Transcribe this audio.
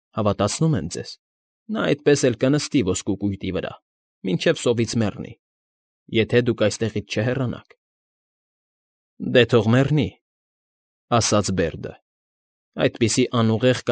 Հավատացնում եմ ձեզ, նա այդպես էլ կնստի ոսկու կույտի վրա, մինչև սովից մեռնի, եթե դուք այստեղից չհեռանաք։ ֊ Դե թող մեռնի…֊ ասաց Բերդը։֊ Այդպիսի անուղեղ։